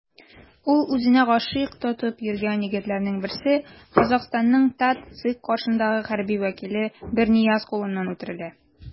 Ул үзенә гашыйк тотып йөргән егетләрнең берсе - Казахстанның ТатЦИК каршындагы хәрби вәкиле Бернияз кулыннан үтерелә.